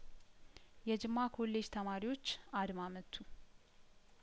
የጅማ ኮሌጅ ተማሪዎች አድማ መቱ